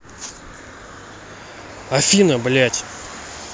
афина блядь